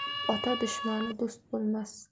ota dushmani do'st bolmas